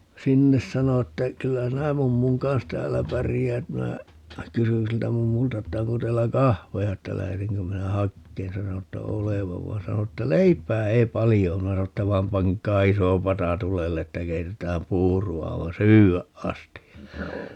- sanoi että kyllä sinä mummun kanssa täällä pärjäät minä kysyin siltä mummulta että onko teillä kahveja että lähetänkö minä hakemaan sanoi että olevan vaan sanoi että leipää ei paljon ole minä sanoin että vaan pankaa iso pata tulelle että keitetään puuroa aivan syödä asti